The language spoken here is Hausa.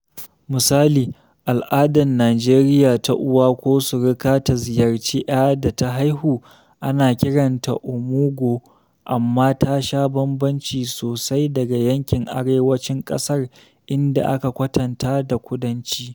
Misali, al’adar Najeriya ta uwa ko suruka ta ziyarci ‘ya da ta haihu, ana kiran ta omugwo, amma ta sha bambanci sosai daga yankin arewacin ƙasar idan aka kwatanta da kudanci.